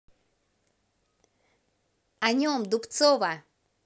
о нем дубцова